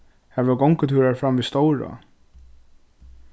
har vóru gongutúrar fram við stórá